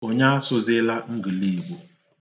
Onye asụzịla ngiliigbo.